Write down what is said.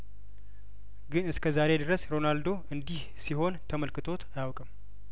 ግን እስከዛሬ ድረስ ሮናልዶ እንዲህ ሲሆን ተመልክቶት አያውቅም